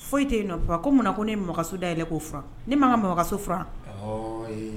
Foyi tɛ yen nɔ ko munna ko ne makanso da yɛrɛ koo ne ma ka makanso f